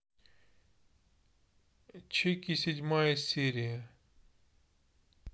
чики седьмая серия